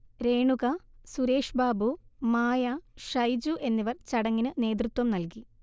രേണുക, സുരേഷ്ബാബു, മായ, ഷൈജു എന്നിവർ ചടങ്ങിന് നേതൃത്വം നൽകി